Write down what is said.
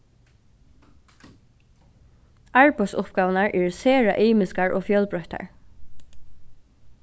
arbeiðsuppgávurnar eru sera ymiskar og fjølbroyttar